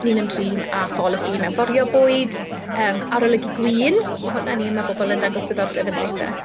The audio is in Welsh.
Ni'n ymdrin â pholisi mewnforio bwyd, yym arolygu gwin, ma' hwnna'n un ma' pobl yn dangos ddiddordeb ynddi weithie.